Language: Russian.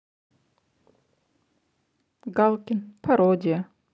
галкин пародия